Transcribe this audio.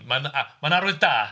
Mae'n a- mae'n arwydd da.